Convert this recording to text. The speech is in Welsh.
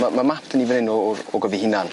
Ma' ma' map 'dy ni fyn 'yn o o'r ogof 'i hunan.